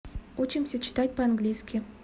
учимся читать по английски